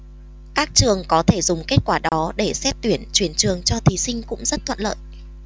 các trường có thể dùng kết quả đó để xét tuyển chuyển trường cho thí sinh cũng rất thuận lợi